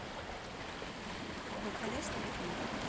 ну конечно люби